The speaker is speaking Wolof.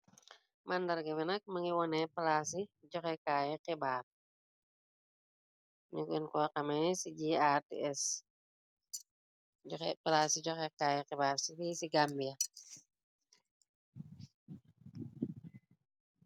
Màndarge benak ma ngi wone plaasi joxekaayi xibaar ñuino xame ci ji arts plaasi joxekaayi xibaar ci fi ci gàmbiya.